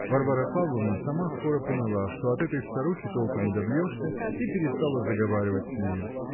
Варвара Павловна сама скоро поняла, что от этой старухи толку не добьешься, и перестала заговаривать с нею